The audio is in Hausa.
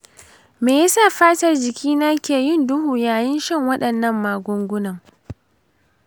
me yasa fatar jikina ke yin duhu yayin shan waɗannan magungunan?